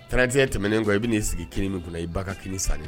31 tɛmɛnen kɔ i bɛ n'i sigi kinin min kunna i ba ka kinin sannen